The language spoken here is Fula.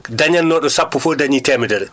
dañatnooɗo sappo fof dañii temedere